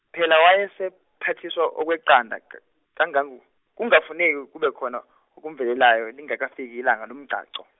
phela wayesephathiswa okweqanda, k- kanga- kungafuneki, kubekhona, okumvelelayo lingakafiki ilanga lomgcagco.